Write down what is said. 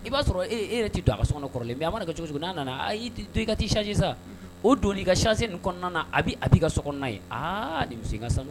I ba sɔrɔ e e yɛrɛ ti don a ka so kɔnɔ kɔrɔlen. Mais a ma na kɛ cogo cogo na nana don i ka ti change sa . O don i ka change nunun kɔnɔna na , a bi Abi ka so kɔnɔ na ye. Aa ni muso in ka sanu!